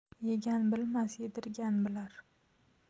yegan bilmas yedirgan bilar